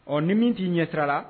Ɔ ni min t'i ɲɛsira la